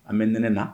An bɛ neɛna